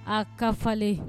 A kafalen